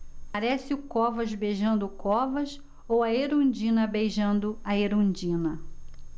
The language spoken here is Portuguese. parece o covas beijando o covas ou a erundina beijando a erundina